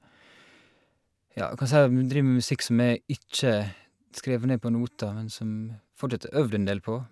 Ja, du kan si at vi driver med musikk som er ikke skrevet ned på noter, men som fortsatt er øvd en del på.